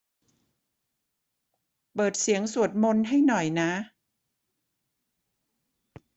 เปิดเสียงสวดมนต์ให้หน่อยนะ